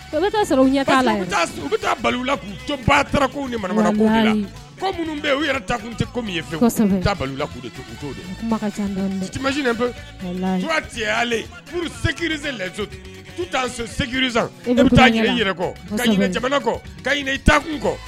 To minnu yɛrɛ tɛ yesi taa kɔ ka jamana kɔ ka i kun kɔ